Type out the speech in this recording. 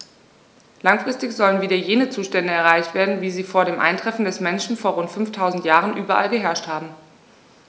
Langfristig sollen wieder jene Zustände erreicht werden, wie sie vor dem Eintreffen des Menschen vor rund 5000 Jahren überall geherrscht haben.